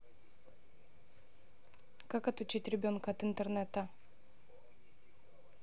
как отучить ребенка от интернета